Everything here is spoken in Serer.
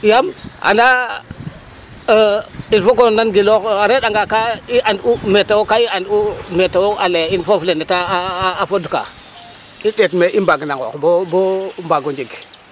Yaam anda il faut o nangiloox a re'anga ka i and'u metewo ,ka i and'u metewo a layaa in foof le ne ta a fodkaa i ndet me i mbagna nqoox bo mbaag o njeg.